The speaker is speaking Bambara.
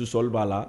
Ni sɔli b'a la